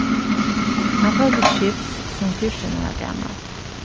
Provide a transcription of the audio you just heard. hann fór til skips sum fjúrtan ára gamal